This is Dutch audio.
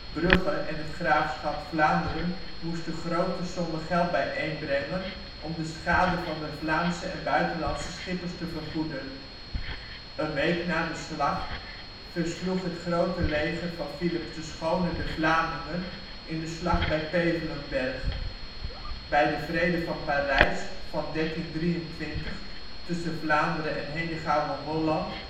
Brugge en het graafschap Vlaanderen moesten grote sommen geld bijeenbrengen om de schade van de Vlaamse en buitenlandse schippers te vergoeden. Een week na de slag versloeg het grote leger van Filips de Schone de Vlamingen in de Slag bij Pevelenberg. Bij de Vrede van Parijs van 1323 tussen Vlaanderen en Henegouwen-Holland